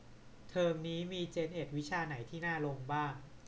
เทอมนี้มีเจ็นเอ็ดวิชาไหนที่น่าลงบ้าง